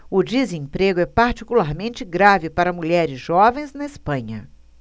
o desemprego é particularmente grave para mulheres jovens na espanha